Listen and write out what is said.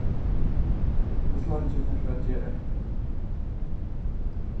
hvussu leingi fert tú at gera hetta